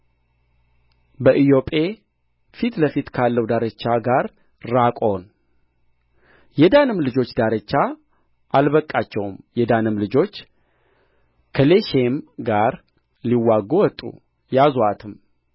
በኢዮጴ ፊት ለፊት ካለው ዳርቻ ጋር ራቆን የዳንም ልጆች ዳርቻ አልበቃቸውም የዳንም ልጆች ከሌሼም ጋር ሊዋጉ ወጡ ያዙአትም